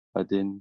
wedyn